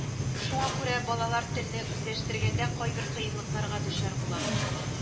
Шуңа күрә балалар телне үзләштергәндә кайбер кыенлыкларга дучар була